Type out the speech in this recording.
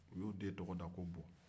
u y'o den tɔgɔda ko buwɔ